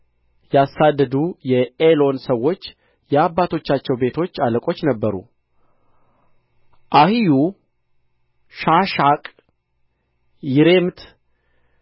ያሳደዱ የኤሎን ሰዎች የአባቶቻቸው ቤቶች አለቆች ነበሩ አሒዮ ሻሻቅ ይሬምት